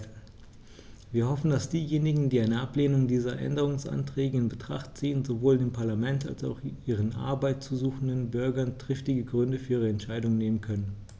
Wir hoffen, dass diejenigen, die eine Ablehnung dieser Änderungsanträge in Betracht ziehen, sowohl dem Parlament als auch ihren Arbeit suchenden Bürgern triftige Gründe für ihre Entscheidung nennen können.